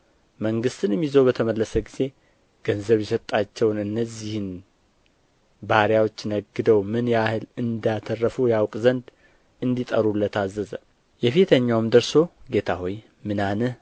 መንግሥትንም ይዞ በተመለሰ ጊዜ ገንዘብ የሰጣቸውን እነዚህን ባሪያዎች ነግደው ምን ያህል እንዳተረፉ ያውቅ ዘንድ እንዲጠሩለት አዘዘ የፊተኛውም ደርሶ ጌታ ሆይ ምናንህ